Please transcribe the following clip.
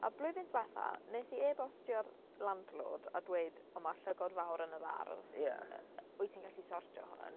A blwyddyn diwethaf wnes i e-bostio'r landlord a dweud "o ma' llygod fawr yn yr ardd... ie... wyt ti'n gallu sortio hwn?"